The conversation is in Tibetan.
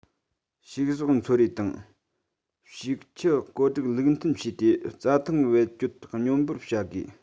ཕྱུགས ཟོག འཚོ རེས དང ཕྱུགས ཁྱུ བཀོད སྒྲིག ལུགས མཐུན བྱས ཏེ རྩྭ ཐང བེད སྤྱོད སྙོམས པོར བྱ དགོས